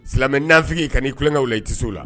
Silamɛmɛ naanifin ka'i tulonkɛw la i tɛw la